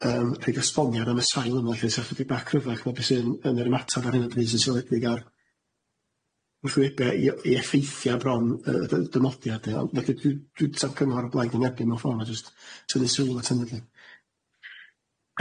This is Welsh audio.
yym rhoid ysboniad am y sail yma felly saith ydi bach cryfach ma' be' sy'n yn yr ymataf ar hyn o bryd sy'n seledig ar y llwybe i o- i effeithia bron yy dy- dymodiad yy ond felly dwi dwi sa'n cymhar o blaid i nebyn mewn ffor ma' jyst sy'n neud sylw at hynny ylly.